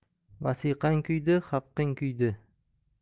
vasiqang kuydi haqqing kuydi